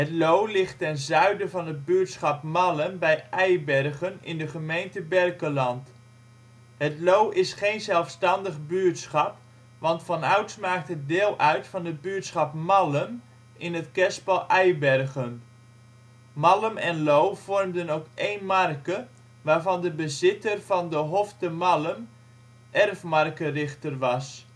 Loo ligt ten zuiden van het buurtschap Mallem bij Eibergen (gemeente Berkelland). Het Loo is geen zelfstandig buurtschap, want vanouds maakte het deel uit van het buurtschap Mallem in het kerspel Eibergen. Mallem en Loo vormden ook één marke, waarvan de bezitter van de Hof te Mallem erfmarkerichter was